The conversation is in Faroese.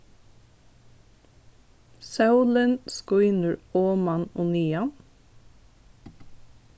sólin skínur oman og niðan